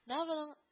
Наваның